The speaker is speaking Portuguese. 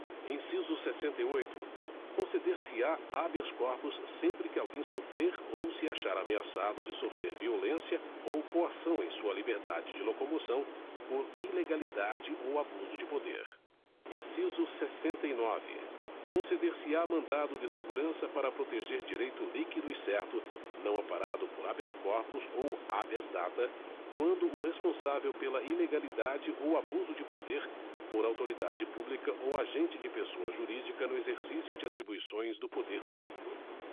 inciso sessenta e oito conceder se á habeas corpus sempre que alguém sofrer ou se achar ameaçado de sofrer violência ou coação em sua liberdade de locomoção por ilegalidade ou abuso de poder inciso sessenta e nove conceder se á mandado de segurança para proteger direito líquido e certo não amparado por habeas corpus ou habeas data quando o responsável pela ilegalidade ou abuso de poder for autoridade pública ou agente de pessoa jurídica no exercício de atribuições do poder público